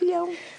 diolch.